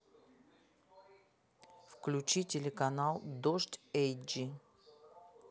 включи телеканал дождь эйчди